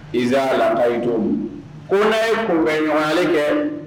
Izaa laakayium n'a ye kunbɛ ɲɔgɔnyali kɛ